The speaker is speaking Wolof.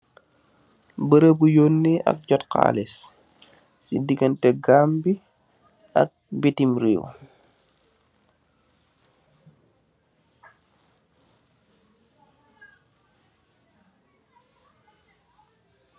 Beaureaubu yonnai ak jot khaalis, si digenteh Gambi ak bitim raiw.